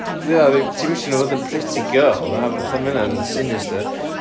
'di hynna ddim... ti ddim isio nhw bod yn pretty girl na fatha ma' hynna'n sinister